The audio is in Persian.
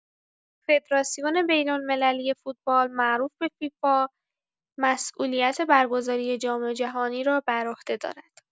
فدراسیون بین‌المللی فوتبال، معروف به فیفا، مسئولیت برگزاری جام‌جهانی را بر عهده دارد.